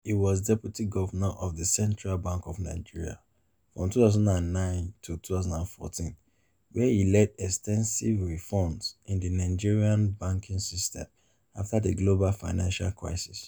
He was deputy governor of the Central Bank of Nigeria from 2009 to 2014, where "he led extensive reforms in the Nigerian banking system after the global financial crisis."